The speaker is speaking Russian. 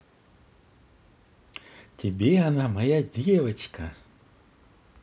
тебе она моя девочка